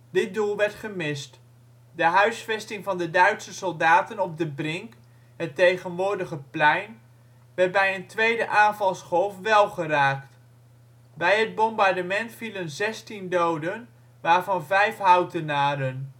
Dit doel werd gemist. De huisvesting van de Duitse soldaten op De Brink (Het tegenwoordige Plein) werd bij een tweede aanvalsgolf wel geraakt. Bij het bombardement vielen zestien doden, waarvan vijf Houtenaren